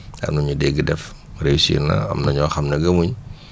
am na ñu dégg def réussir na am na ñoo xam ne gëmuñ